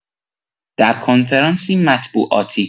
در کنفرانسی مطبوعاتی